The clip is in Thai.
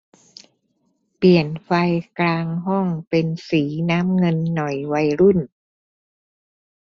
เปลี่ยนไฟกลางห้องเป็นสีน้ำเงินหน่อยวัยรุ่น